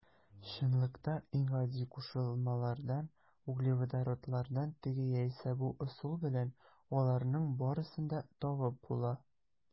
Чынлыкта иң гади кушылмалардан - углеводородлардан теге яисә бу ысул белән аларның барысын да табып була.